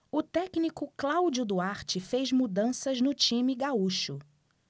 o técnico cláudio duarte fez mudanças no time gaúcho